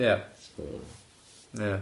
Ia. So. Ia.